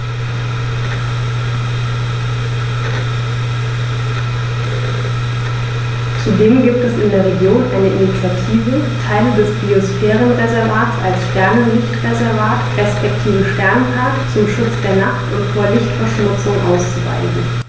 Zudem gibt es in der Region eine Initiative, Teile des Biosphärenreservats als Sternenlicht-Reservat respektive Sternenpark zum Schutz der Nacht und vor Lichtverschmutzung auszuweisen.